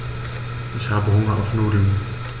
Ich habe Hunger auf Nudeln.